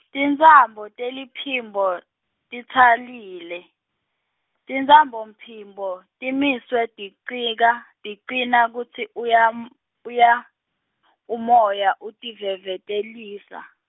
tintsambo teliphimbo, titsalile, tintsambophimbo, timiswe ticika, ticina kutsi uyam, uya , umoya utivevetelisa.